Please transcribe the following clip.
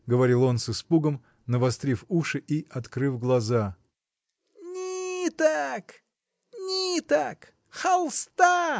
— говорил он с испугом, навострив уши и открыв глаза. — Ни-ток, ниток! холста!